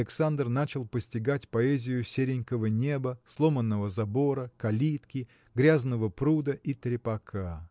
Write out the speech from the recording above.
Александр начал постигать поэзию серенького неба сломанного забора калитки грязного пруда и трепака .